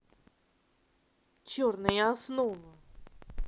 черная основа